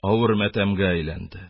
Авыр матәмгә әйләнде.